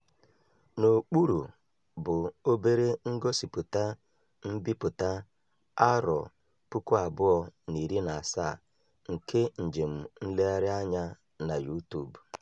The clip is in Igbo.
N'okpuru bụ obere ngosipụta mbipụta 2017 nke njem nlegharị anya na YouTube: